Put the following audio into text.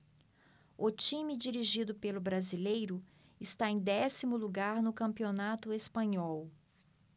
o time dirigido pelo brasileiro está em décimo lugar no campeonato espanhol